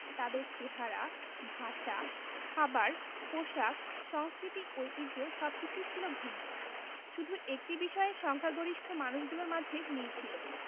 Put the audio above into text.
তাদের চেহারা ভাষা খাবার পোশাক সংস্কৃতি ঐতিহ্য সবকিছুই ছিল ভিন্ন শুধু একটি বিষয়ে সংখ্যাগরিষ্ঠ মানুষগুলোর মাঝে মিল ছিল